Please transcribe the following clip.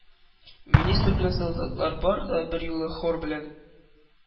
Министр белән солдатлар бар да берьюлы хор белән: